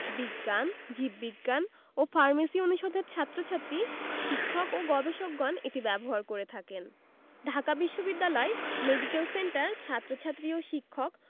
বিজ্ঞান জীববিজ্ঞান ও ফার্মেসি অনুষদের ছাত্রছাত্রী শিক্ষক ও গবেষকগণ এটি ব্যবহার করে থাকেন ঢাকা বিশ্ববিদ্যালয় মেডিকেল সেন্টার ছাত্রছাত্রী ও শিক্ষক